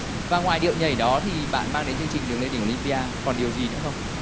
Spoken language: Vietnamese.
và ngoài điệu nhảy đó thì bạn mang đến chương trình đường lên đỉnh ô lim pi a còn điều gì nữa không